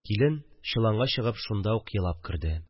Килен чоланга чыгып шунда ук елап керде